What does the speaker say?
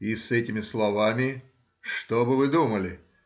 И с этими словами — что бы вы думали?